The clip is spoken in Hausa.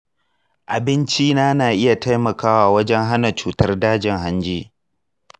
abincina na iya taimakawa wajen hana cutar dajin hanji?